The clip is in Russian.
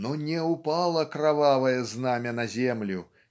"Но не упало кровавое знамя на землю